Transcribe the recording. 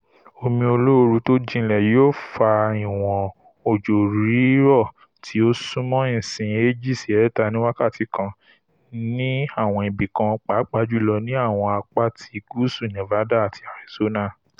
Omi olóoru tójínlẹ̀ yóò fa ìwọ̀n òjò rírọ̀ tí ó súnmọ́ íǹsì 2 sí 3 ni wákàtí kan ní àwọn ibi kan, papàá jùlọ ní àwọn apá ti gúúsù Nevada àti Arizona.